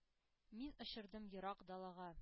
Мин очырдым ерак далага.